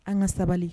An ka sabali.